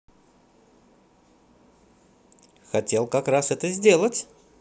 хотел как раз это сделать